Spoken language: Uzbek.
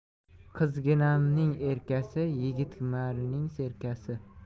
qizginamning erkasi yigitgmarrming serkasi